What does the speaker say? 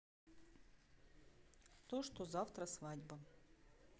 то что завтра свадьба